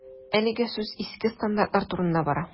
Әлегә сүз иске стандартлар турында бара.